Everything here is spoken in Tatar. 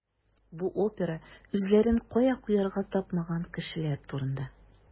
Бу опера үзләрен кая куярга тапмаган кешеләр турында.